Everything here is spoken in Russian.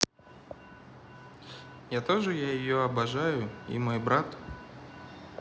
я тоже я ее обожаю и мой брат